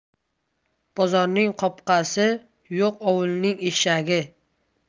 bozorning qopqasi yo'q ovulning eshagi